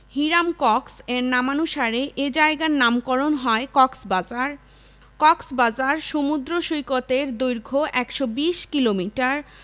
Hiram Cox এর নামানুসারে এ জায়গার নামকরণ হয় কক্সবাজার কক্সবাজার সমুদ্র সৈকতের দৈর্ঘ্য ১২০ কিলোমিটার